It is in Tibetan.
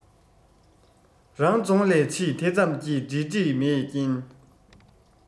རང རྫོང ལས ཕྱི དེ ཙམ གྱི འབྲེལ འདྲིས མེད རྐྱེན